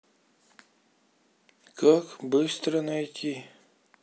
как быстро найти